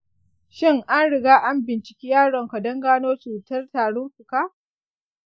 shin an riga an binciki yaronka don gano cutar tarin fuka?